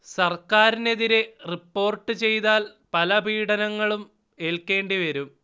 സർക്കാരിനെതിരെ റിപ്പോർട്ട് ചെയ്താൽ പല പീഡനങ്ങളും ഏൽക്കേണ്ടിവരും